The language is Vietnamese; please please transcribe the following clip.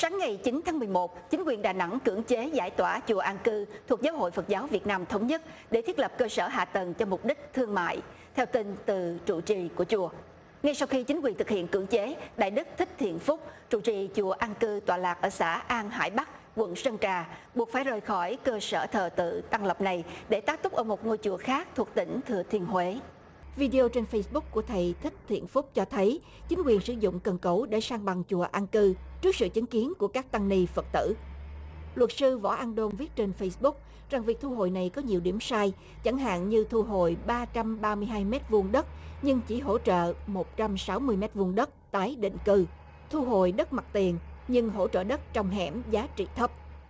sáng ngày chín tháng mười một chính quyền đà nẵng cưỡng chế giải tỏa chùa an cư thuộc giáo hội phật giáo việt nam thống nhất để thiết lập cơ sở hạ tầng cho mục đích thương mại theo tin từ trụ trì của chùa ngay sau khi chính quyền thực hiện cưỡng chế đại đức thích thiện phúc trụ trì chùa an cư tọa lạc ở xã an hải bắc quận sơn trà buộc phải rời khỏi cơ sở thờ tự tân lập này để tá túc ở một ngôi chùa khác thuộc tỉnh thừa thiên huế vi đi ô trên phây sư búc của thầy thích thiện phúc cho thấy chính quyền sử dụng cần cẩu để san bằng chùa an cư trước sự chứng kiến của các tăng ni phật tử luật sư võ an đôn viết trên phây sư búc rằng việc thu hồi này có nhiều điểm sai chẳng hạn như thu hồi ba trăm ba mươi hai mét vuông đất nhưng chỉ hỗ trợ một trăm sáu mươi mét vuông đất tái định cư thu hồi đất mặt tiền nhưng hỗ trợ đất trồng hẻm giá trị thấp